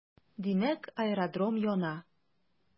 Димәк, аэродром яна.